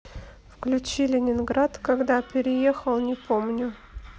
включи ленинград когда переехал не помню